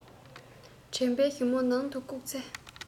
དྲན པའི གཞུ མོ ནང དུ བཀུག ཚེ